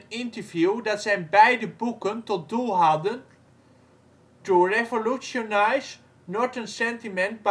interview dat zijn beide boeken tot doel hadden " to revolutionize northern sentiment